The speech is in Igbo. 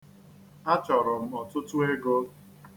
Achọrọ m ọtụtụ ego.